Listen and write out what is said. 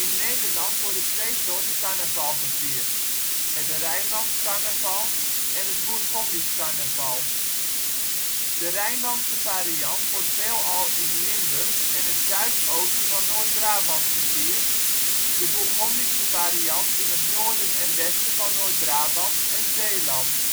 Nederland worden twee soorten carnaval gevierd: Het Rijnlands carnaval en het Bourgondisch carnaval. De Rijnlandse variant wordt veelal in Limburg en het zuidoosten van Noord-Brabant gevierd, de Bourgondische variant in het noorden en westen van Noord-Brabant [bron?] en Zeeland